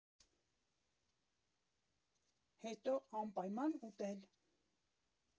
Հետո անպայման ուտել։